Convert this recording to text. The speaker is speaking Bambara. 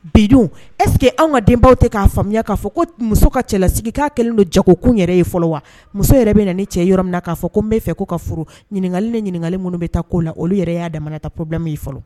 Bidon esseke anw ka denbaw tɛ k'a faamuyaya k'a fɔ ko muso ka cɛlasigi k' kɛlen don jagokun yɛrɛ ye fɔlɔ wa muso yɛrɛ bɛ na cɛ yɔrɔ min na k'a fɔ ko n' fɛ ko ka furu ɲininkakali ni ɲininkaka minnu bɛ ta ko la olu yɛrɛ y'a data pbima' fɔlɔ